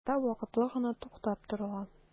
Монда вакытлы гына туктап торыла.